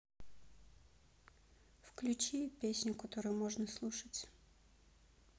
включить песню которую можно слушать